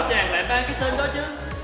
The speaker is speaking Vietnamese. tên đó chứ